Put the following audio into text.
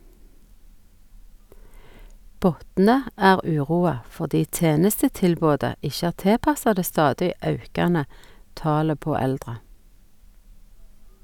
Botne er uroa, fordi tenestetilbodet ikkje er tilpassa det stadig aukande talet på eldre.